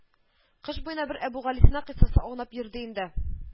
Кыш буена бер Әбүгалисина кыйссасы аунап йөрде инде